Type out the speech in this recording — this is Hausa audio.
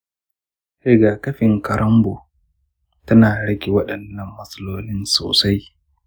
riga-kafin karonbo tana rage waɗannan matsaloli sosai.